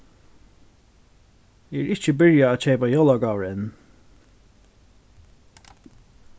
eg eri ikki byrjað at keypa jólagávur enn